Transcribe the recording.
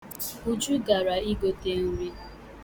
Uju gara igote nri.